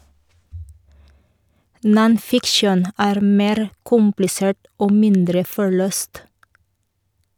"Non-Fiction" er mer komplisert og mindre forløst.